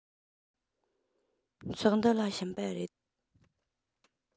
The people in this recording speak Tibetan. ཚོགས འདུ ལ ཕྱིན པ རེད